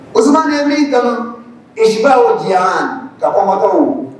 Osumani ye min tanu